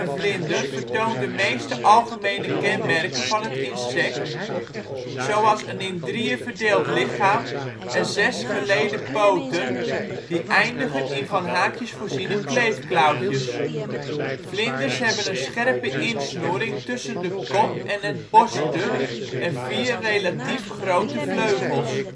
vlinder vertoont de meeste algemene kenmerken van het insect, zoals een in drieën verdeeld lichaam en zes gelede poten die eindigen in van haakjes voorziene kleefklauwtjes. Vlinders hebben een scherpe insnoering tussen kop en het borststuk en vier relatief grote vleugels